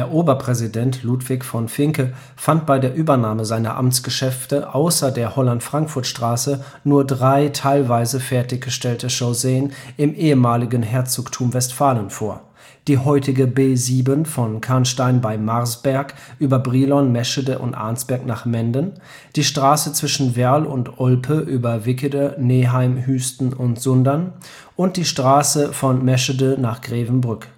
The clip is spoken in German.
Oberpräsident Ludwig von Vincke fand bei der Übernahme seiner Amtsgeschäfte außer der Holland-Frankfurt-Straße nur drei teilweise fertiggestellte Chausseen im ehemaligen Herzogtum Westfalen vor: die heutige B7 von Canstein (Marsberg) über Brilon, Meschede und Arnsberg nach Menden, die Straße zwischen Werl und Olpe über Wickede, Neheim, Hüsten und Sundern und die Straße von Meschede nach Grevenbrück